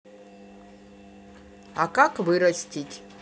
а как вырастить